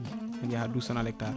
ne yaaha ha douze tonnes à l' hectare